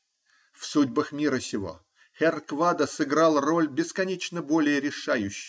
В судьбах мира сего херр Квада сыграл роль бесконечно более решающую.